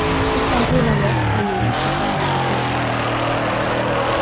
uttan tína hjálp hevði eg ikki klárað at gjørt hatta